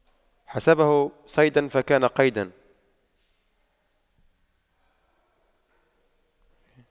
حسبه صيدا فكان قيدا